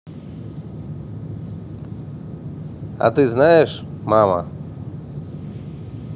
а ты знаешь мама